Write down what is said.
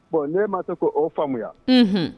Bon_ : ne ma se k'o faamuya